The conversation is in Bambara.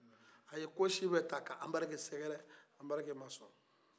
a ye ko sibɛ ta ka anbarike sɛgɛrɛ ambarike ma sɔn